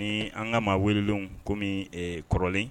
Ni an ka ma wele komi bɛ kɔrɔlen